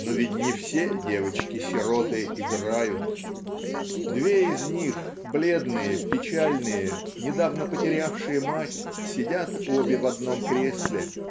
Но ведь не все девочки-сироты играют. Две из них бледные печальные недавно потерявшие мать сидят обе в одном кресле